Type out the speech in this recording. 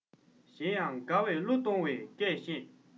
གཞན ཡང དགའ པོའི གླུ གཏོང བའི སྐད ཤེད